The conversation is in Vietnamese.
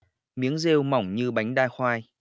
miếng rêu mỏng như bánh đa khoai